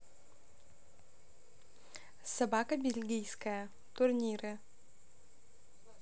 собака бельгийская турниры